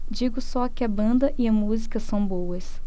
digo só que a banda e a música são boas